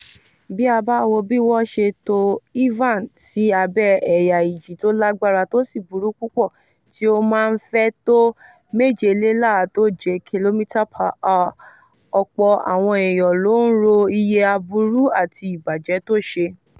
Bí a bá wo bí wọ́n ṣe to Ivan sí abẹ́ẹ ẹ̀yà ìjì tó lágbára tó sì burú pupọ̀ tí ó máa ń fẹ́ tó 137 km/h, ọ̀pọ̀ àwọn èyan ló ń ro iye aburú àti ìbàjẹ́ tó ṣe.